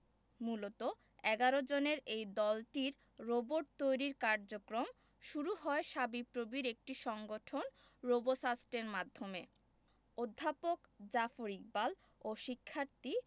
মূলত ১১ জনের এই দলটির রোবট তৈরির কার্যক্রম শুরু হয় শাবিপ্রবির একটি সংগঠন রোবোসাস্টের মাধ্যমে অধ্যাপক জাফর ইকবাল ও শিক্ষার্থী